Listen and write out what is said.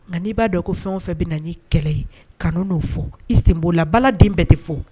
Nka n'i b'a dɔn ko fɛn o fɛn bɛna na' kɛlɛ ye kanu n'o fɔ i senbonla baladen bɛ tɛ fɔ